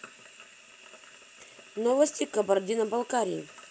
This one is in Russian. новости кабардино балкарии